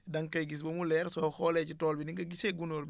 da nga koy gis ba mu leer soo xoolee ci tool bi ni nga gisee gunóor bi